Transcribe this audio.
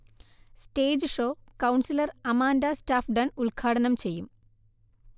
stage show councillor Amanda സ്റ്റാഫ്ഡൺ ഉൽഘാടനം ചെയ്യും